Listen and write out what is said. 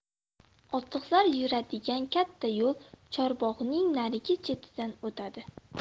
otliqlar yuradigan katta yo'l chorbog'ning narigi chetidan o'tadi